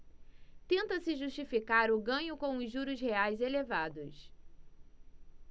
tenta-se justificar o ganho com os juros reais elevados